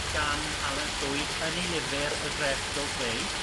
gan Alan Llwyd yn i lyfr Y Grefft o Greu